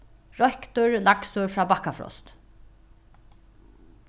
royktur laksur frá bakkafrost